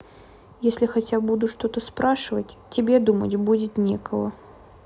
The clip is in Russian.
если хотя буду что то спрашивать тебе думать будет некого